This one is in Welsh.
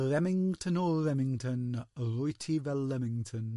Lemington o Remington, rwyt ti fel Lemington?